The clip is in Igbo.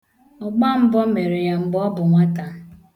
Ọgbambọ mere ya mgbe ọ bụ nwata.